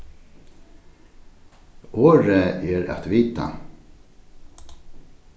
orðið er at vita